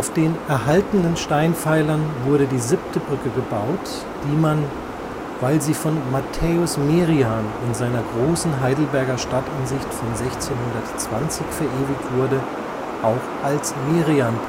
den erhaltenen Steinpfeilern wurde die siebte Brücke gebaut, die man, weil sie von Matthäus Merian in seiner großen Heidelberger Stadtansicht von 1620 verewigt wurde, auch als „ Merian-Brücke